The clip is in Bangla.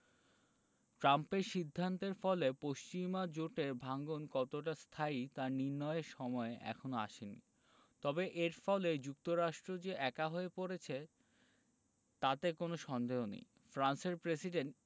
ট্রাম্পের সিদ্ধান্তের ফলে পশ্চিমা জোটের ভাঙন কতটা স্থায়ী তা নির্ণয়ের সময় এখনো আসেনি তবে এর ফলে যুক্তরাষ্ট্র যে একা হয়ে পড়েছে তাতে কোনো সন্দেহ নেই ফ্রান্সের প্রেসিডেন্ট